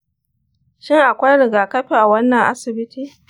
shin akwai rigakafi a wannan asibiti?